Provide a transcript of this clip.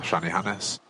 rhannu hanes.